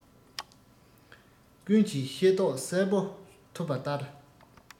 ཀུན གྱིས ཤེས རྟོགས གསལ པོ ཐུབ པ ལྟར